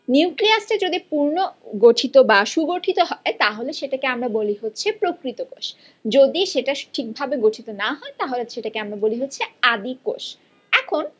nucleus টা যদি পুর্নগঠিত বা সুগঠিত হয় তাহলে সেটাকে আমরা বলি হচ্ছে প্রকৃত কোষ যদি সেটা ঠিকভাবে গঠিত না হয় তাহলে আমরা সেটাকে বলি হচ্ছে আদি কোষ এখন